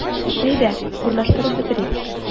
Әйдә, урнаштырып бетерик.